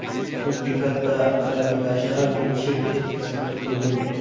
xuddi katta aravakashlardek chirt etkizib tupurdim